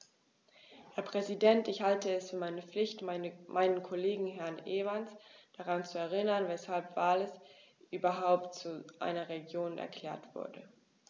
Herr Präsident, ich halte es für meine Pflicht, meinen Kollegen Herrn Evans daran zu erinnern, weshalb Wales überhaupt zu einer Region erklärt wurde.